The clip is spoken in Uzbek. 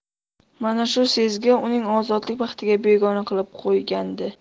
mana shu sezgi uni ozodlik baxtiga begona qilib qo'ygandi